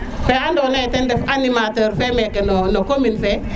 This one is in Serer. te ando na ye ten ref animateur mene no commune fe